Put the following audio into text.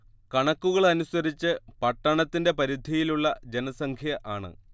കണക്കുകളനുസരിച്ച് പട്ടണത്തിൻറെ പരിധിയിലുള്ള ജനസംഖ്യ ആണ്